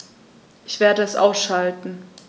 Ich werde es ausschalten